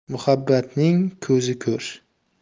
muhabbatning ko'zi ko'r